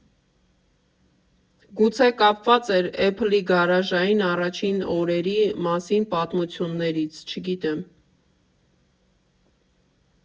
Գուցե կապված էր Էփփլի գարաժային առաջին օրերի մասին պատմություններից, չգիտեմ։